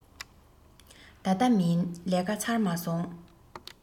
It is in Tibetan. ད ལྟ མིན ལས ཀ ཚར མ སོང